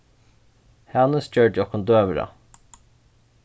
hanus gjørdi okkum døgurða